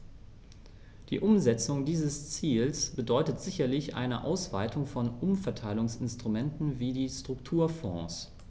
Die Umsetzung dieses Ziels bedeutet sicherlich eine Ausweitung von Umverteilungsinstrumenten wie die Strukturfonds.